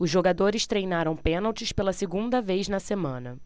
os jogadores treinaram pênaltis pela segunda vez na semana